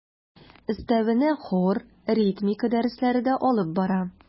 Өстәвенә хор, ритмика дәресләре дә алып бара.